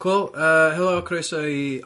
Cwl yy helo a croeso i...